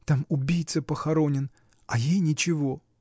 Там убийца похоронен, а ей ничего!